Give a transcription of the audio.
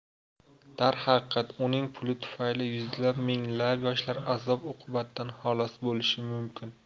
darhaqiqat uning puli tufayli yuzlab minglab yoshlar azob uqubatdan xalos bo'lishi mumkin